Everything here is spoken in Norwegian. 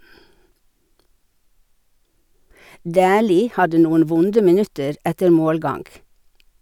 Dæhlie hadde noen vonde minutter etter målgang.